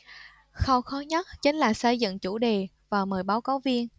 khâu khó nhất chính là xây dựng chủ đề và mời báo cáo viên